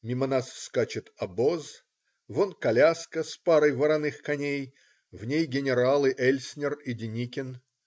Мимо нас скачет обоз, вон коляска с парой вороных коней - в ней генералы Эльснер и Деникин.